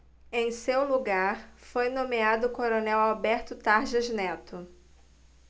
em seu lugar foi nomeado o coronel alberto tarjas neto